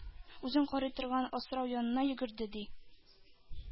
Үзен карый торган асрау янына йөгерде, ди.